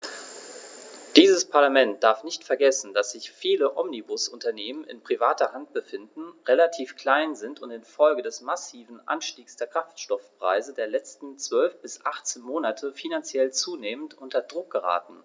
Dieses Parlament darf nicht vergessen, dass sich viele Omnibusunternehmen in privater Hand befinden, relativ klein sind und in Folge des massiven Anstiegs der Kraftstoffpreise der letzten 12 bis 18 Monate finanziell zunehmend unter Druck geraten.